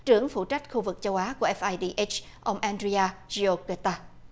trưởng phụ trách khu vực châu á của ép ai đi ết ông en ri a ri ô bê ta